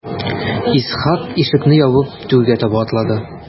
Исхак ишекне ябып түргә таба атлады.